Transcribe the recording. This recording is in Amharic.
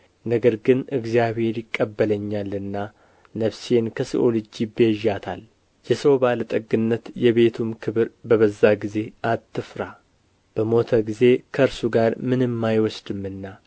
ነገር ግን እግዚአብሔር ይቀበለኛልና ነፍሴን ከሲኦል እጅ ይቤዣታል የሰው ባለጠግነት የቤቱም ክብር በበዛ ጊዜ አትፍራ በሞተ ጊዜ ከእርሱ ጋር ምንም አይወስድምና